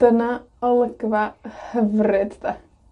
Dyna olygfa hyfryd, 'de?